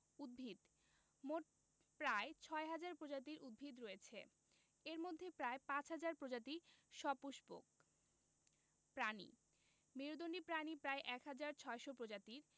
উদ্ভিদঃ মোট প্রায় ৬ হাজার প্রজাতির উদ্ভিদ রয়েছে এর মধ্যে প্রায় ৫ হাজার প্রজাতি সপুষ্পক প্রাণীঃ মেরুদন্ডী প্রাণী প্রায় ১হাজার ৬০০ প্রজাতির